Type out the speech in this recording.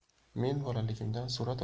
men bolaligimdan surat